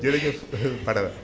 jërëjëf Badara